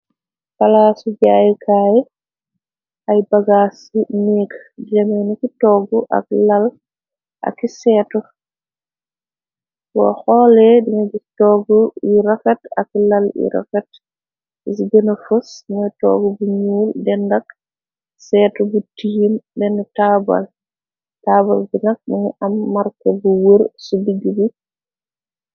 Palaasu jaayee kaay ay bagaasi néeg jëm si toggu ak lal, ak i seetu. Boo xoole dinga gis toggu yu rafet ak lal yu rafet. Yi si gëna fus ñoy, toogu bu ñuul denda ak seetu bu tiim bénen taabul. Taabu bi nag mu ngi am marke bu wur ci diggë bi.